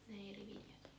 ne eri viljat